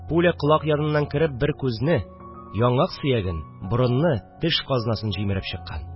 Пуля колак яныннан кереп бер күзне, яңак сөяген, борынны, теш казнасын җимереп чыккан